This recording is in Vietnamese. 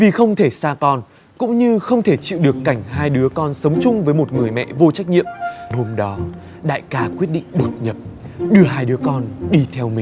vì không thể xa con cũng như không thể chịu được cảnh hai đứa con sống chung với một người mẹ vô trách nhiệm hôm đó đại ca quyết định đột nhập đứa hai đứa con đi theo mình